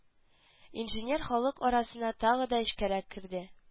Инженер халык арасына тагы да эчкәрәк керде